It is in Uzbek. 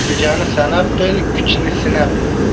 jo'jani sanab bil kuchni sinab